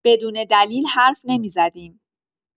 بدون دلیل حرف نمی‌زدیم.